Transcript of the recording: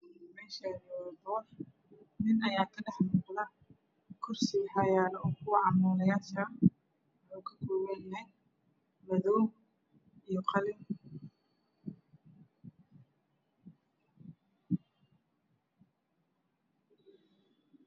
Meeshaani waa boor nin ayaa ka dhex muuqda kursi oo waxaa yaalo kuwa camoolayaasha wuxuu ka koobanyahay madow iyo qalin